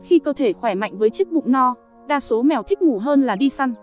khi cơ thể khỏe mạnh với chiếc bụng no đa số mèo thích ngủ hơn là đi săn